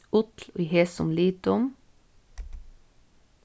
ull í hesum litum